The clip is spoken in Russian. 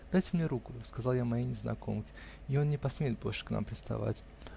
-- Дайте мне руку, -- сказал я моей незнакомке, -- и он не посмеет больше к нам приставать.